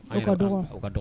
o ka dɔgɔn